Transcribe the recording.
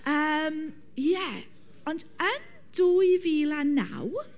Yym ie, ond yn dwy fil a naw.